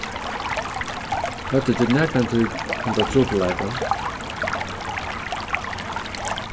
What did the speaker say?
høvdu tit nakrantíð handa trupulleikan